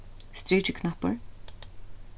strikiknappur